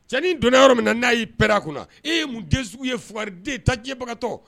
Cɛnani donna yɔrɔ min na yɔrɔ min na n'a y'i pɛrɛn a kunna, e ye mun den sugu ye? fugariden tatiɲɛbagatɔ!